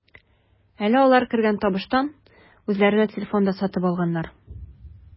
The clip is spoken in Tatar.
Әле алар кергән табыштан үзләренә телефон да сатып алганнар.